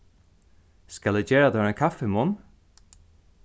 skal eg gera tær ein kaffimunn